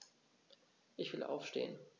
Ich will aufstehen.